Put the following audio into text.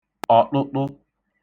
ọ̀ṭụṭụ